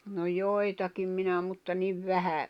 no joitakin minä mutta niin vähän